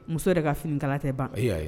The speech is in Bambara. Muso yɛrɛ ka fini ta tɛ ban